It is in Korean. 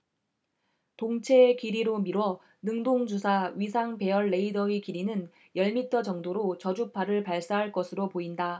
동체 길이로 미뤄 능동주사 위상 배열 레이더의 길이는 열 미터 정도로 저주파 를 발사할 것으로 보인다